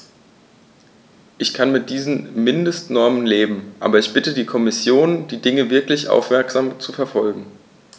Ich kann mit diesen Mindestnormen leben, aber ich bitte die Kommission, die Dinge wirklich aufmerksam zu verfolgen.